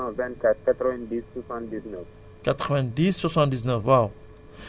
huit huit 824 90 79